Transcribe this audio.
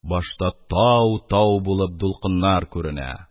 Башта тау-тау булып тулкыннар күренә.